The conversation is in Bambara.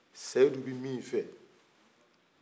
seyidu bɛ min fɛ